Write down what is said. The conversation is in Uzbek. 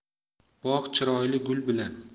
bog' chiroyi gul bilan